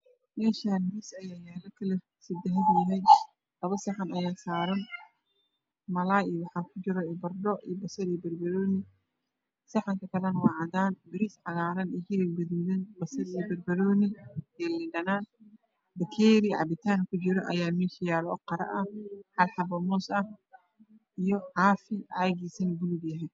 Halkan waa yalo mis kalar kisi waa dahabi waxaa saran saxaman waxaa kujiro hiliib iyo barees oo cagar ah